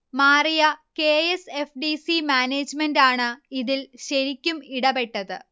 മാറിയ K. S. F. D. C. മാനേജ്മെന്റാണ് ഇതിൽ ശരിക്കും ഇടപെട്ടത്